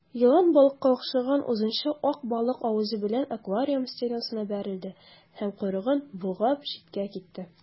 Елан балыкка охшаган озынча ак балык авызы белән аквариум стенасына бәрелде һәм, койрыгын болгап, читкә китте.